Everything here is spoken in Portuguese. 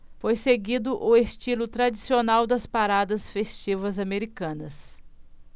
foi seguido o estilo tradicional das paradas festivas americanas